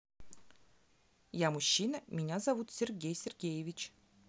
я мужчина меня зовут сергей сергеевич